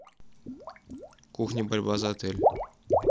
кухня борьба за отель